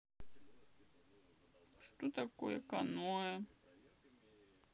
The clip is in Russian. что такое каноэ